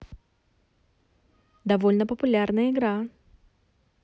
довольно популярная игра